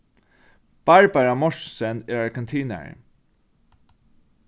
barbara mortensen er argentinari